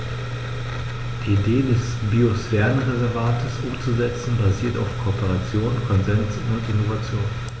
Die Idee des Biosphärenreservates umzusetzen, basiert auf Kooperation, Konsens und Innovation.